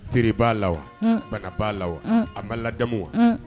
Berebaa la banabaa la aba lajamu